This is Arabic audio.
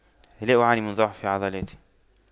لا أعاني من ضعف في عضلاتي